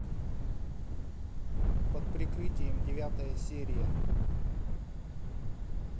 под прикрытием девятая серия